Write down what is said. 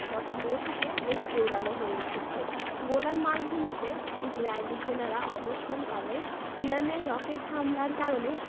গত মে থেকে বেশ জোরালো হয়ে উঠেছে গোলান মালভূমিতে ইসরায়েলি সেনারা অবস্থানকালে ইরানের রকেট হামলার কারণে